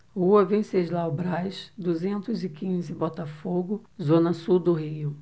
rua venceslau braz duzentos e quinze botafogo zona sul do rio